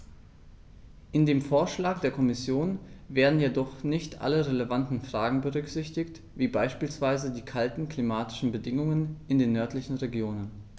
In dem Vorschlag der Kommission werden jedoch nicht alle relevanten Fragen berücksichtigt, wie beispielsweise die kalten klimatischen Bedingungen in den nördlichen Regionen.